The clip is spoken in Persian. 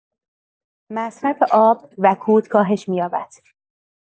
مصرف آب و کود کاهش می‌یابد.